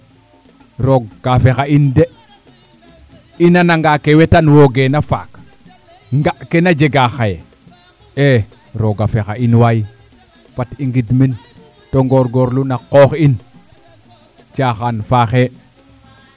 roog kaa fexa in de i nana nga ke wetan wo geena faak ga kena jega xaye e rooga fexa in waay fat i ngid min to ngorngorlu na qoox in caaxaan faaxe